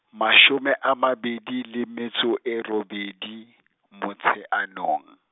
mashome a mabedi le metso e robedi, Motsheanong.